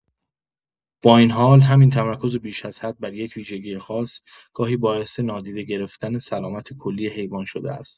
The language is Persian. با این حال، همین تمرکز بیش از حد بر یک ویژگی خاص، گاهی باعث نادیده گرفتن سلامت کلی حیوان شده است.